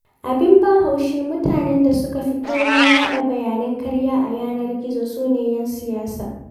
Abin ban haushi, mutanen da suka fi kowa yaɗa bayanan ƙarya a yanar gizo su ne 'yan siyasa.